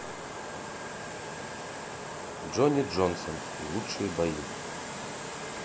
джонни джонсон и лучшие бои